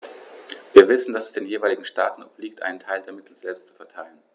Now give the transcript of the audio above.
Wir wissen, dass es den jeweiligen Staaten obliegt, einen Teil der Mittel selbst zu verteilen.